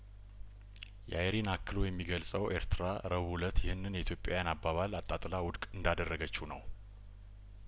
የአይሪን አክሎ የሚገልጸው ኤርትራ ረቡእእለት ይህንን የኢትዮጵያን አባባል አጣጥላ ውድቅ እንዳደረገችው ነው